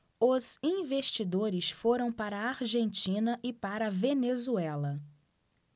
os investidores foram para a argentina e para a venezuela